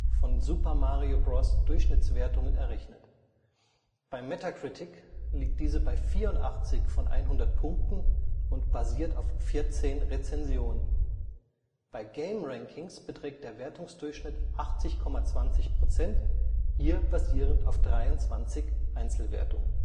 von Super Mario Bros. Durchschnittswertungen errechnet. Bei Metacritic liegt diese bei 84 von 100 Punkten und basiert auf 14 Rezensionen. Bei GameRankings beträgt der Wertungsdurchschnitt 80,20 %, hier basierend auf 23 Einzelwertungen